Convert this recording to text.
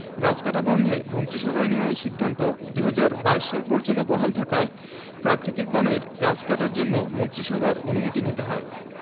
গাছ কাটা বন্ধে মন্ত্রিসভায় নেয়া এই সিদ্ধান্ত ২০২২ সাল পর্যন্ত বহাল থাকায় প্রাকৃতিক বনের গাছ কাটার জন্য মন্ত্রিসভার অনুমতি নিতে হয়